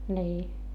niin